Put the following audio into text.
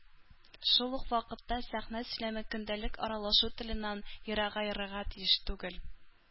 Шул ук вакытта сәхнә сөйләме көндәлек аралашу теленнән ерагаерга тиеш түгел.